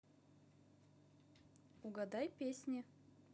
угадай песни